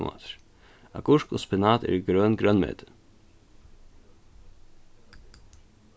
agurk og spinat eru grøn grønmeti